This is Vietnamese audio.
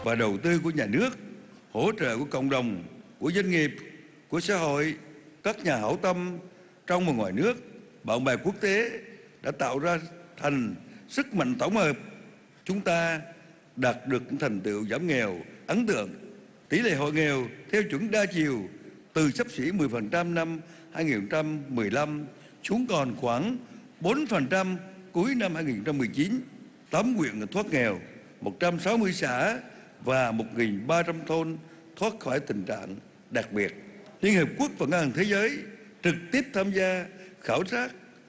và đầu tư của nhà nước hỗ trợ của cộng đồng của doanh nghiệp của xã hội các nhà hảo tâm trong và ngoài nước bạn bè quốc tế đã tạo ra thành sức mạnh tổng hợp chúng ta đạt được những thành tựu giảm nghèo ấn tượng tỷ lệ hộ nghèo theo chuẩn đa chiều từ xấp xỉ mười phần trăm năm hai nghìn không trăm mười lăm xuống còn khoảng bốn phần trăm cuối năm hai nghìn không trăm mười chín tóm quyền lực thoát nghèo một trăm sáu mươi xã và một nghìn ba trăm thôn thoát khỏi tình trạng đặc biệt liên hiệp quốc và ngân hàng thế giới trực tiếp tham gia khảo sát